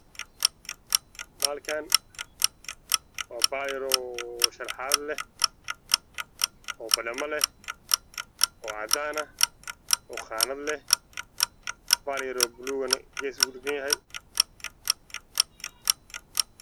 Hal kaan waa bahal qaanad leh cadaan ah